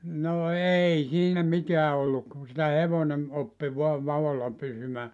no ei siinä mitään ollut kun sitä hevonen oppi vain vaolla pysymään